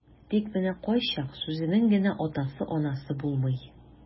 Тик менә кайчак сүзенең генә атасы-анасы булмый.